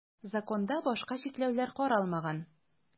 Законда башка чикләүләр каралмаган.